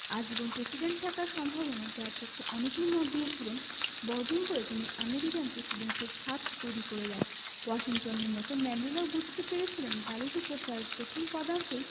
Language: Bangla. আজীবন প্রেসিডেন্ট থাকার সম্ভাবনা যার পক্ষে অনেকেই মত দিয়েছিলেন বর্জন করে তিনি আমেরিকান প্রেসিডেন্সির ছাঁচ তৈরি করে দেন ওয়াশিংটনের মতো ম্যান্ডেলাও বুঝতে পেরেছিলেন বালির ওপর তাঁর প্রথম পদাঙ্কই